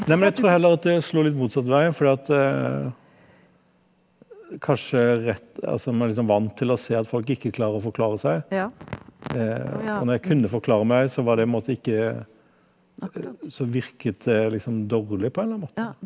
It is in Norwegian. nei men jeg tror heller at det slo litt motsatt vei fordi at kanskje altså man er liksom vant til å se at folk ikke klarer å forklare seg, og når jeg kunne forklare meg så var det en måte ikke så virket det liksom dårlig på en eller annen måte.